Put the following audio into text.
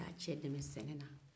ka cɛ dɛmɛn sɛnɛ na